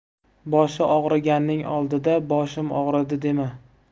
boshi og'riganning oldida boshim og'ridi dema